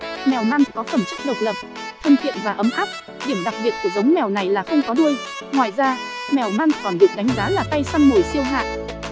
mèo manx có phẩm chất độc lập thân thiện và ấm áp điểm đặc biệt của giống mèo này là không có đuôi ngoài ra mèo manx còn được đánh giá là tay săn mồi siêu hạng